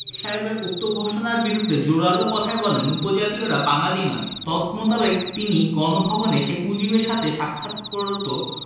সাহেবের উক্ত ঘোষণার বিরুদ্ধে জোরালো কথায় বলেন উপজাতীয়রা বাঙালি নয় তদমোতাবেক তিনি গণভবনে শেখ মুজিবের সাথে সাক্ষাৎ করত